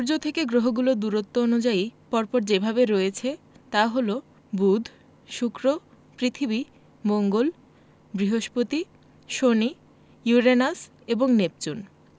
সূর্য থেকে গ্রহগুলো দূরত্ব অনুযায়ী পর পর যেভাবে রয়েছে তা হলো বুধ শুক্র পৃথিবী মঙ্গল বৃহস্পতি শনি ইউরেনাস এবং নেপচুন